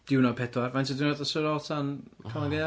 Diwrnod pedwar. Faint o diwrnodau sydd ar ôl tan Calan gaeaf?